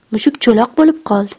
mushuk cho'loq bo'lib qoldi